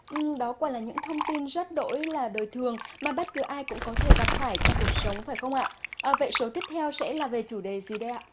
đó quả là những thông tin rất đỗi là đời thường mà bất cứ ai cũng có thể gặp phải trong cuộc sống phải không ạ vậy số tiếp theo sẽ là về chủ đề gì đây ạ